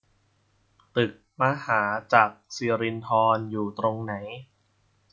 ตึกมหาจักรีสิรินธรอยู่ตรงไหน